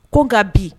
Ko nka bi